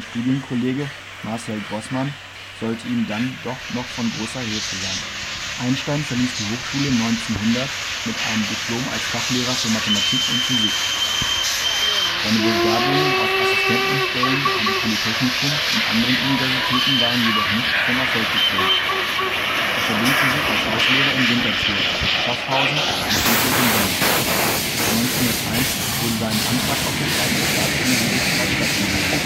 Studienkollege Marcel Grossmann sollte ihm dann noch von großer Hilfe sein. Einstein verließ die Hochschule 1900 mit einem Diplom als Fachlehrer für Mathematik und Physik. Seine Bewerbungen auf Assistentenstellen am Polytechnikum und anderen Universitäten waren jedoch nicht von Erfolg gekrönt. Er verdingte sich als Hauslehrer in Winterthur, Schaffhausen und schließlich in Bern. 1901 wurde seinem Antrag auf die Schweizer Staatsangehörigkeit stattgegeben